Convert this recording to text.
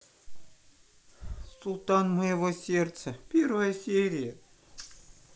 султан моего сердца первая серия